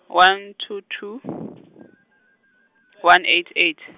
one two two, one eight eight .